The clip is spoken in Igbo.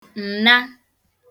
ǹna